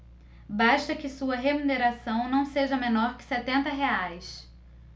basta que sua remuneração não seja menor que setenta reais